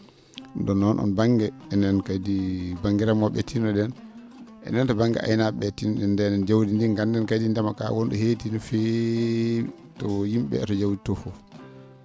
?um ?oon noon on ba?nge enen kadi ba?nge remoo?e tiinno?en enen to ba?nge aynaa?e tiinno?en ndeenen jawdi ndii ngannden kadi ndema kaa won?o heedi no feewi to yim?e e to jawdi too fof